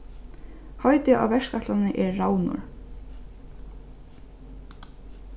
heitið á verkætlanini er ravnur